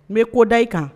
N bɛ ko da i kan